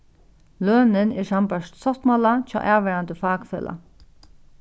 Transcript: lønin er sambært sáttmála hjá avvarðandi fakfelag